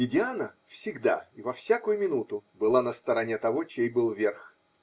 И Диана всегда и во всякую минуту была на стороне того, чей был верх.